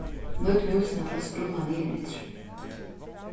nýt músina til at skrulla niðureftir